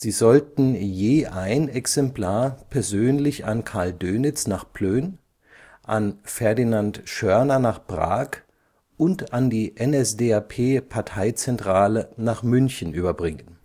sollten je ein Exemplar persönlich an Karl Dönitz nach Plön, an Ferdinand Schörner nach Prag und an die NSDAP-Parteizentrale nach München überbringen